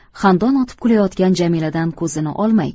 xandon otib kulayotgan jamiladan ko'zini olmay